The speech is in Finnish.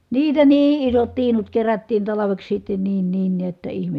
niitä niin isot tiinut kerättiin talveksi sitten niin niin näet että ihme